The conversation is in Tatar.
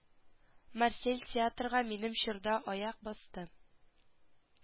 Марсель театрга минем чорда аяк басты